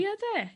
Ia 'de?